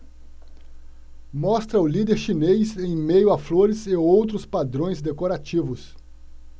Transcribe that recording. mostra o líder chinês em meio a flores e outros padrões decorativos